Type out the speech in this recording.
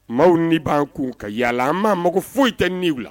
Maaw ni b'an kun ka yaala an ma mago foyi tɛ niw la